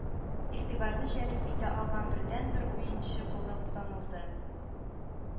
Игътибарны җәлеп итә алган бердәнбер уенчы булып танылды.